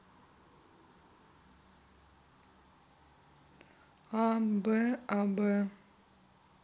а б аб